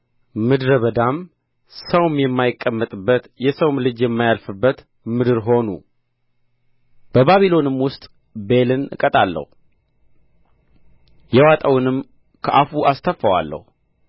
ምድረ በዳም ሰውም የማይቀመጥበት የሰውም ልጅ የማያልፍበት ምድር ሆኑ በባቢሎንም ውስጥ ቤልን እቀጣለሁ የዋጠውንም ከአፉ አስተፋዋለሁ